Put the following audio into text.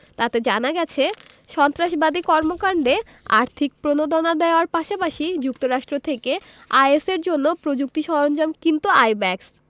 তাতে জানা গেছে সন্ত্রাসবাদী কর্মকাণ্ডে আর্থিক প্রণোদনা দেওয়ার পাশাপাশি যুক্তরাষ্ট্র থেকে আইএসের জন্য প্রযুক্তি সরঞ্জাম কিনত আইব্যাকস